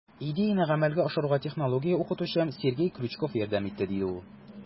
Идеяне гамәлгә ашыруга технология укытучым Сергей Крючков ярдәм итте, - ди ул.